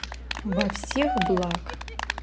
во всех благ